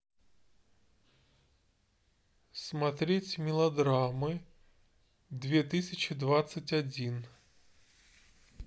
смотреть мелодрамы две тысячи двадцать один